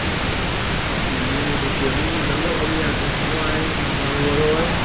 ờ thì nghe cái tiếng giám đốc âm nhạc nó cũng oai thì vào hùa thôi